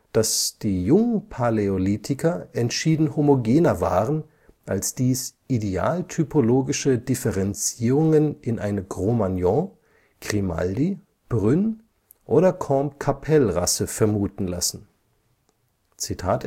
daß die Jungpaläolithiker entschieden homogener waren, als dies idealtypologische Differenzierungen in eine Cro-Magnon -, Grimaldi -, Brünn - oder Combe-Capelle-Rasse vermuten lassen “. Stelle der Oberkasseler Menschen in einem Modell des menschlichen Stammbaums Der